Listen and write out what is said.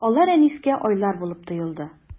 Алар Әнискә айлар булып тоелды.